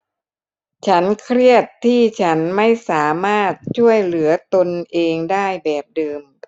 ฉันเครียดที่ฉันไม่สามารถช่วยเหลือตนเองได้แบบเดิม